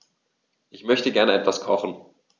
Ich möchte gerne etwas kochen.